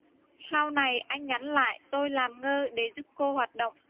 sau này anh nhắn lại tôi làm ngơ để giúp cô hoạt động